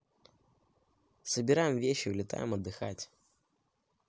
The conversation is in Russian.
собираем вещи улетаем отдыхать